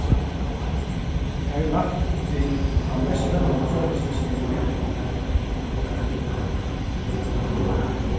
tað er lagt upp til tann mest spennandi fótbóltsdystin í nógv ár